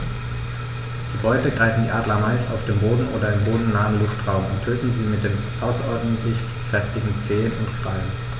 Die Beute greifen die Adler meist auf dem Boden oder im bodennahen Luftraum und töten sie mit den außerordentlich kräftigen Zehen und Krallen.